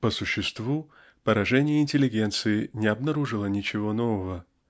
по существу поражение интеллигенции не обнаружило ничего нового.